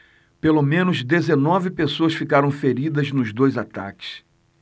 pelo menos dezenove pessoas ficaram feridas nos dois ataques